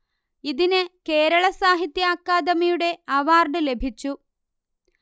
ഇതിന് കേരള സാഹിത്യ അക്കാദമിയുടെ അവാർഡ് ലഭിച്ചു